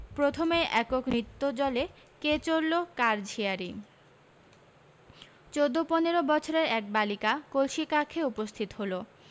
প্রথমেই একক নৃত্যজলে কে চলেলো কার ঝিয়ারি চৌদ্দ পনেরো বছরের এক বালিকা কলসি কাঁখে উপস্থিত হল